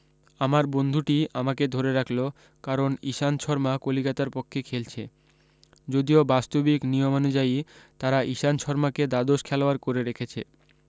আমার বন্ধুটি আমাকে ধরে রাখল কারণ ইশান্ত সরমা কলিকাতার পক্ষে খেলছে যদিও বাস্তবিক নিয়মানু্যায়ী তারা ইশান্ত সরমাকে দ্বাদশ খেলোয়াড় করে রেখেছে